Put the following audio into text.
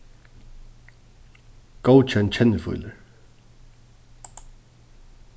góðkenn kennifílur